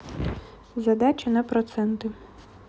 задача на проценты